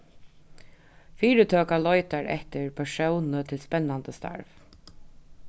fyritøka leitar eftir persóni til spennandi starv